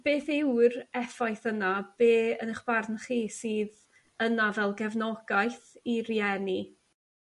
beth yw'r effaith yna be' yn 'ych barn chi sydd yna fel gefnogaeth i rieni?